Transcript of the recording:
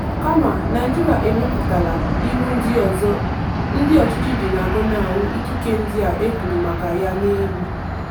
Kama, Naịjirịa ewepụtala iwu ndị ọzọ ndị ọchịchị ji agọnahụ ikike ndịa e kwuru maka ya n'elu.